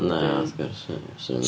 Na wrth gwrs ia 'sa fo'n...